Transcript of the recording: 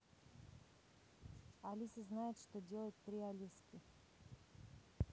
алиса знает что делать три алиски